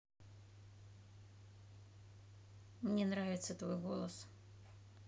мне нравится твой голос